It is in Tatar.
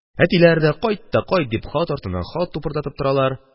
Әтиләр дә, кайт та кайт дип, хат артыннан хат тупырдатып торалар